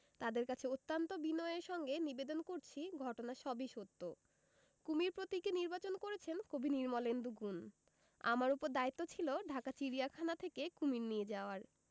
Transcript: তাঁদের কাছে অত্যন্ত বিনয়ের সঙ্গে নিবেদন করছি ঘটনা সবই সত্য কুমীর প্রতীকে নির্বাচন করেছেন কবি নির্মলেন্দু গুণ আমার উপর দায়িত্ব ছিল ঢাকা চিড়িয়াখানা থেকে কুমীর নিয়ে যাওয়ার